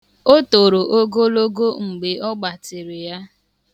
O toro ogologo mgbe ọ gbatịrị ya.